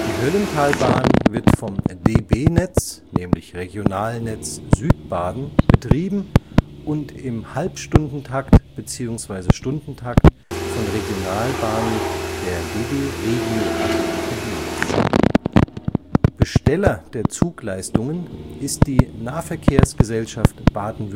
Höllentalbahn wird von DB Netz (Regionalnetz Südbaden) betrieben und im Halbstundentakt (Freiburg – Titisee) beziehungsweise Stundentakt (Titisee – Neustadt) von Regionalbahnen der DB Regio AG bedient. Besteller der Zugleistungen ist die Nahverkehrsgesellschaft Baden-Württemberg